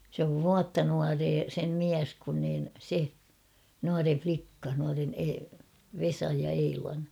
se on vuotta nuorempi sen mies kun niin se nuorempi likka nuorempi - Vesan ja Eilan